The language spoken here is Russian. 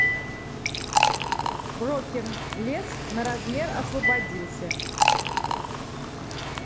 broken лес на размер освободился